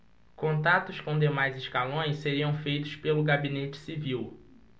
contatos com demais escalões seriam feitos pelo gabinete civil